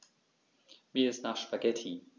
Mir ist nach Spaghetti.